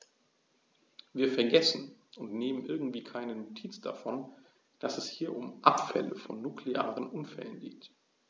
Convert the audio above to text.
Wir vergessen, und nehmen irgendwie keine Notiz davon, dass es hier um Abfälle von nuklearen Unfällen geht.